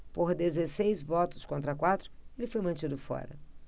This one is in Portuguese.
por dezesseis votos contra quatro ele foi mantido fora